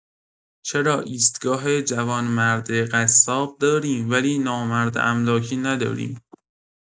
چرا ایستگاه جوانمرد قصاب داریم ولی نامرد املاکی نداریم؟